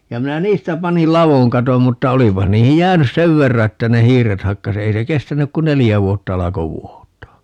ja minä niistä panin ladon katon mutta olipa niihin jäänyt sen verran että ne hiiret hakkasi ei se kestänyt kuin neljä vuotta alkoi vuotaa